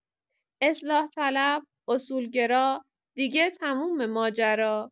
اصلاح‌طلب، اصولگرا، دیگه تمومه ماجرا!